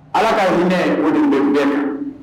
Ala ka hinɛ o de bi se bɛɛ ma.